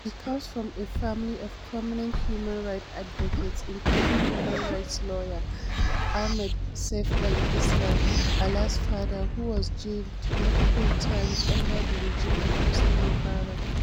He comes from a family of prominent human rights advocates, including human rights lawyer Ahmed Seif El Islam, Alaa's father, who was jailed multiple times under the regime of Hosni Mubarak.